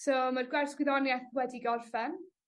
So mae'r gwers gwyddonieth wedi gorffen.